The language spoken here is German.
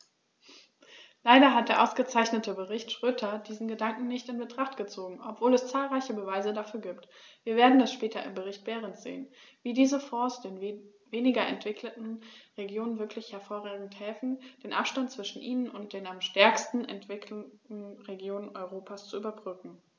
Leider hat der ausgezeichnete Bericht Schroedter diesen Gedanken nicht in Betracht gezogen, obwohl es zahlreiche Beweise dafür gibt - wir werden das später im Bericht Berend sehen -, wie diese Fonds den weniger entwickelten Regionen wirklich hervorragend helfen, den Abstand zwischen ihnen und den am stärksten entwickelten Regionen Europas zu überbrücken.